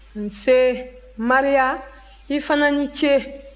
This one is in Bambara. nse maria i fana ni ce